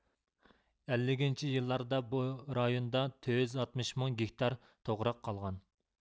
ئەللىكىنچى يىللاردا بۇ رايوندا تۆتيۈز ئاتمىش مىڭ گېكتار توغراق قالغان